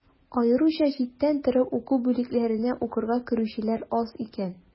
Аеруча читтән торып уку бүлекләренә укырга керүчеләр аз икән.